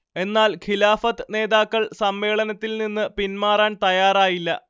എന്നാൽ ഖിലാഫത്ത് നേതാക്കൾ സമ്മേളനത്തിൽ നിന്ന് പിന്മാറാൻ തയാറായില്ല